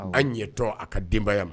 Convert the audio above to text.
An ɲɛ tɔ a ka denbaya ma